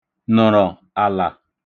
nə̣̀rọ̀ àlà